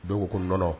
Don nɔnɔ